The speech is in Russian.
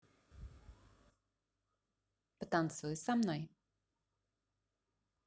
потанцуй со мной